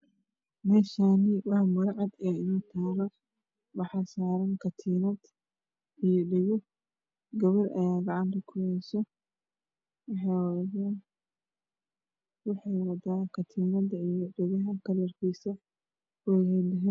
Meeshaani waa maro cad ay taalo waxa saaran katiinad iyo dhago gabar ayaa gacanta ku yahaysi waxay wadaa katiinada iyo dhagaha kalarkiisa u yahay dahabi